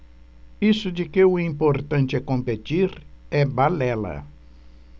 isso de que o importante é competir é balela